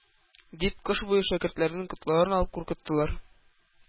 Дип кыш буе шәкертләрнең котларын алып куркыттылар.